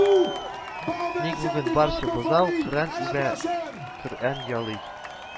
Ник бүген барча бозау Коръән үбә, Коръән ялый